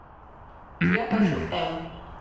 я хочу эм